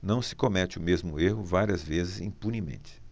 não se comete o mesmo erro várias vezes impunemente